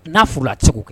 N'a fɔra a cogo kɛ